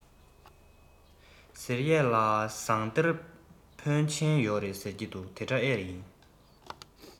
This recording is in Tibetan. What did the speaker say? ཟེར ཡས ལ ཟངས གཏེར འཕོན ཆེན ཡོད རེད ཟེར གྱིས དེ འདྲ ཨེ ཡིན